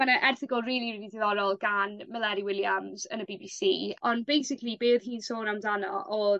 ma' 'na erthygl rili rili diddorol gan Meleri Williams yn y Bee Bee See on' basically be o'dd hi'n sôn amdano o'dd